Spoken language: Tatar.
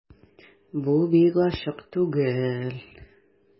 Бу бик ачык түгел...